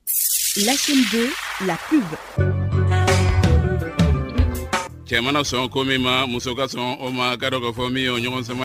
Laki laki cɛman sɔn ko min muso ka sɔn o ma gafɔ min o ɲɔgɔn sama